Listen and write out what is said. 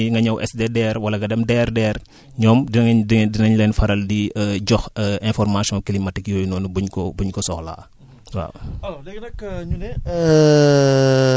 waa waa comme waa ANCAR wala wala comme ñun ñii nga ñëw SDDR wala nga dem DRDR ñoom dinañ dinañ dinañ leen faral di jox information climatique yooyu noonu buñ ko buñ ko soxlaa waaw